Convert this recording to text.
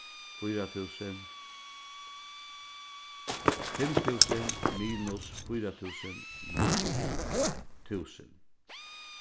fýra túsund fimm túsund minus fýra túsund ligvið túsund